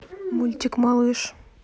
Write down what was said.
мультик малыш